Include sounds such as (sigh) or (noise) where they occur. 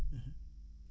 (hesitation) (hesitation)